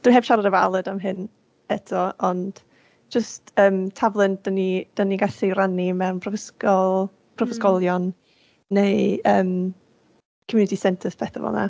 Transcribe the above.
dwi heb siarad efo Aled am hyn eto ond jyst yym taflen dan ni dan ni gallu rannu mewn prifysgol... prifysgolion neu yym community centres pethau fel 'na.